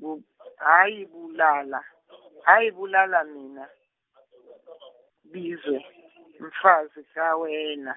bu, hhayi bulala, hhayi bulala mina, bizwe, mfazi kawena.